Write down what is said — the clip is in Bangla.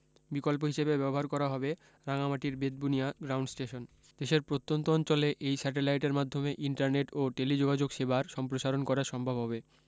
বিকল্প হিসেবে ব্যবহার করা হবে রাঙামাটির বেতবুনিয়া গ্রাউন্ড স্টেশন দেশের প্রত্যন্ত অঞ্চলে এই স্যাটেলাইটের মাধ্যমে ইন্টারনেট ও টেলিযোগাযোগ সেবার সম্প্রসারণ করা সম্ভব হবে